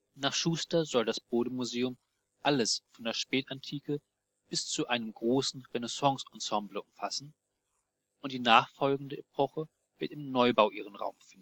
Nach Schuster soll das Bode-Museum alles von der Spätantike bis zu einem großen Renaissance-Ensemble umfassen, und die nachfolgende Epoche wird im Neubau ihren Raum finden. Im